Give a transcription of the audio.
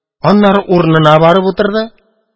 Аннары урынына барып утырды.